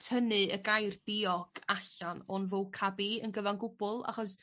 tynnu y gair diog allan o'n vocab i yn gyfan gwbwl achos...